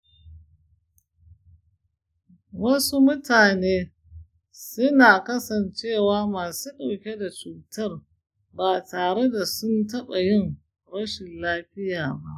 wasu mutane suna kasancewa masu ɗauke da cutar ba tare da sun taɓa yin rashin lafiya ba.